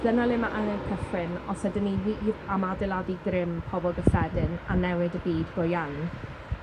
dyna le ma' angen cychwyn os ydyn ni wir am adeladu grym pobol gyffredin a newid y byd go iawn.